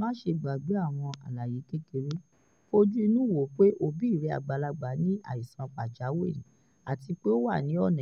Máṣe gbàgbé àwọn àlàyé kékeré: Fojú inú wò pé òbí rẹ àgbàlagbà ni àìsàn pàjáwìrì àti pé ó wà ní ọ̀nà